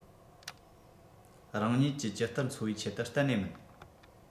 རང ཉིད ཀྱི ཇི ལྟར འཚོ བའི ཆེད དུ གཏན ནས མིན